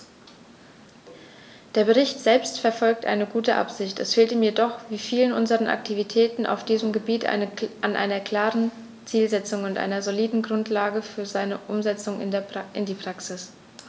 Der Bericht selbst verfolgt eine gute Absicht, es fehlt ihm jedoch wie vielen unserer Aktivitäten auf diesem Gebiet an einer klaren Zielsetzung und einer soliden Grundlage für seine Umsetzung in die Praxis.